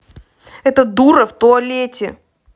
это дура в туалет